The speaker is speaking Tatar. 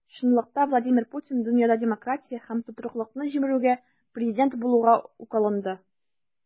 Чынлыкта Владимир Путин дөньяда демократия һәм тотрыклылыкны җимерүгә президент булуга ук алынды.